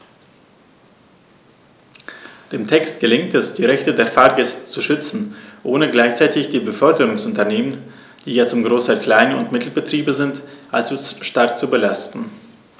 Dem Text gelingt es, die Rechte der Fahrgäste zu schützen, ohne gleichzeitig die Beförderungsunternehmen - die ja zum Großteil Klein- und Mittelbetriebe sind - allzu stark zu belasten.